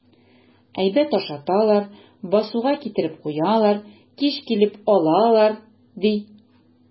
Әйбәт ашаталар, басуга китереп куялар, кич килеп алалар, ди.